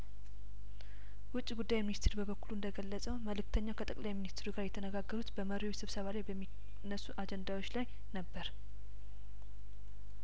ውጭ ጉዳይ ሚኒስትር በበኩሉ እንደተገለጸው መልእክተኛው ከጠቅላይ ሚኒስትሩ ጋር የተነጋገሩት በመሪዎቹ ስብሰባ ላይ በሚነሱ አጀንዳዎች ላይነበር